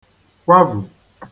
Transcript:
kwavù